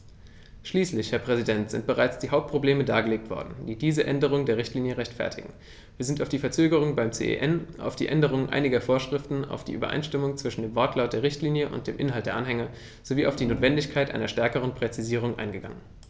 Schließlich, Herr Präsident, sind bereits die Hauptprobleme dargelegt worden, die diese Änderung der Richtlinie rechtfertigen, wir sind auf die Verzögerung beim CEN, auf die Änderung einiger Vorschriften, auf die Übereinstimmung zwischen dem Wortlaut der Richtlinie und dem Inhalt der Anhänge sowie auf die Notwendigkeit einer stärkeren Präzisierung eingegangen.